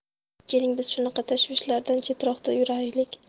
keling biz shunaqa tashvishlardan chetroqda yuraylik